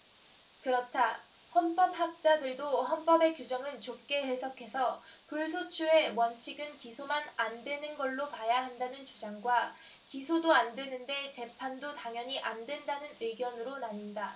그렇다 헌법학자들도 헌법의 규정은 좁게 해석해서 불소추의 원칙은 기소만 안 되는 걸로 봐야 한다는 주장과 기소도 안 되는 데 재판도 당연히 안 된다는 의견으로 나뉜다